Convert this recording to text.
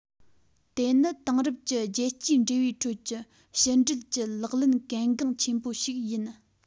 དེ ནི དེང རབས ཀྱི རྒྱལ སྤྱིའི འབྲེལ བའི ཁྲོད ཀྱི ཕྱི འབྲེལ གྱི ལག ལེན གལ འགངས ཆེན པོ ཞིག ཡིན